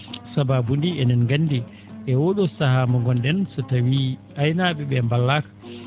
sabaabu nii enen ngandi e oo ?oo sahaa mo ngon?en so tawii aynaa?e ?ee ballaaka